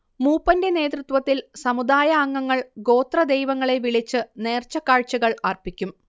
മൂപ്പന്റെ നേതൃത്വത്തിൽ സമുദായാംഗങ്ങൾ ഗോത്രദൈവങ്ങളെ വിളിച്ച് നേർച്ചക്കാഴ്ചകൾ അർപ്പിക്കും